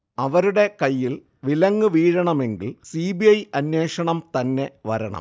അവരുടെ കയ്യിൽ വിലങ്ങ് വീഴണമെങ്കിൽ സി. ബി. ഐ അന്വേഷണം തന്നെ വരണം